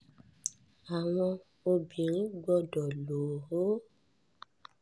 Àwọn Obìnrin Gbọdọ̀ Lò Ó